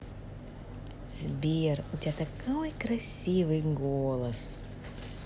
сбер у тебя такой красивый голос